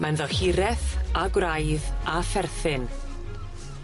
Ma' ynddo hireth, a gwraidd, a pherthyn.